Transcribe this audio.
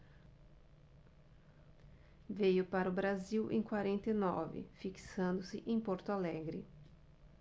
veio para o brasil em quarenta e nove fixando-se em porto alegre